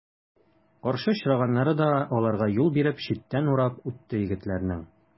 Каршы очраганнары да аларга юл биреп, читтән урап үтте егетләрнең.